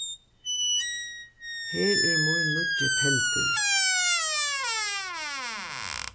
her er mín nýggi teldil